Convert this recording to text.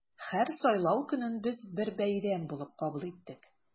Һәр сайлау көнен без бер бәйрәм булып кабул иттек.